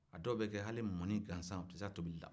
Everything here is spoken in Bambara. a dɔw bɛ kɛ hali mɔni gansan u tɛ se a tobili la